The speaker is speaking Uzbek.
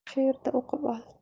shu yerda o'qib ol